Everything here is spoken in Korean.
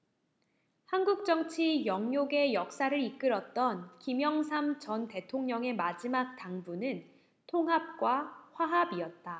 한국정치 영욕의 역사를 이끌었던 김영삼 전 대통령의 마지막 당부는 통합과 화합이었다